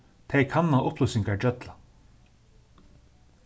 tey kanna upplýsingar gjølla